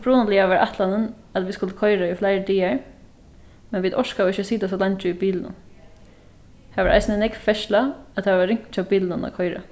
upprunaliga var ætlanin at vit skuldu koyra í fleiri dagar men vit orkaðu ikki at sita so leingi í bilinum har var eisini nógv ferðsla at tað var ringt hjá bilunum at koyra